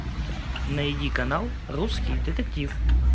найди канал русский детектив